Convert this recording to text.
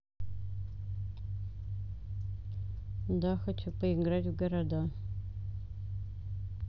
да хочу поиграть в города